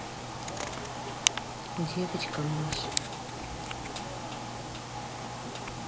девочка маша